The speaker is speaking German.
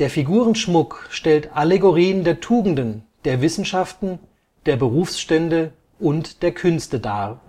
Figurenschmuck stellt Allegorien der Tugenden, der Wissenschaften, der Berufsstände und der Künste dar